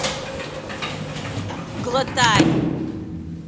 глотай